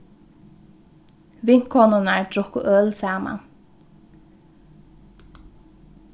vinkonurnar drukku øl saman